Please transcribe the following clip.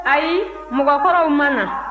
ayi mɔgɔkɔrɔw ma na